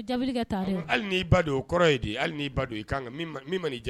Hali'i ba o kɔrɔ ye hali don i kan